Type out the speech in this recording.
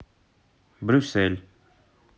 брюссель